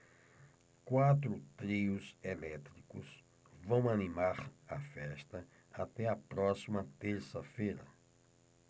quatro trios elétricos vão animar a festa até a próxima terça-feira